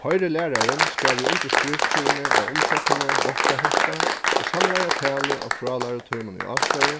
koyrilærarin skal við undirskrift síni á umsóknini vátta hetta og samlaða talið av frálærutímum í ástøði